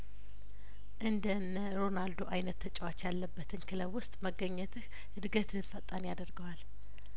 እንደ እነ ሮናልዶ አይነት ተጫዋች ያለበትን ክለብ ውስጥ መገኘትህ እድገትህን ፈጣን ያደርገዋል